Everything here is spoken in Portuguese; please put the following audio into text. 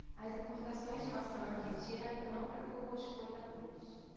as importações de maçã argentina não preocupam os plantadores